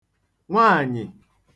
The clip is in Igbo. nwaànyị̀